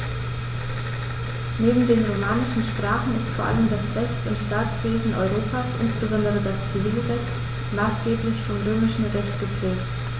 Neben den romanischen Sprachen ist vor allem das Rechts- und Staatswesen Europas, insbesondere das Zivilrecht, maßgeblich vom Römischen Recht geprägt.